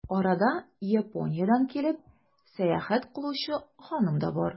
Арада, Япониядән килеп, сәяхәт кылучы ханым да бар.